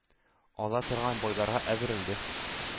Ала торган байларга әверелде.